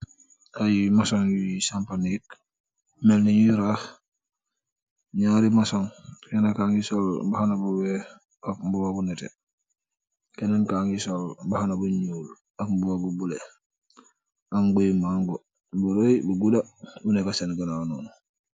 Ay masoñ yuy sampa neek, melni ñuy raax. Ñaari masoñg, keena kaangi sol mbuba bu nétte, kenen kaa ngi sol mbaxana nu ñuul ak mbuba bu bulo, am guyi maango bu rër, bu guda bu neekë sén ganaaw noonu.